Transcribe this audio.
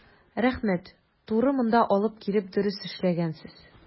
Рәхмәт, туры монда алып килеп дөрес эшләгәнсез.